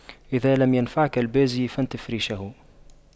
إذا لم ينفعك البازي فانتف ريشه